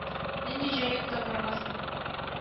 Нинди җаен табарга соң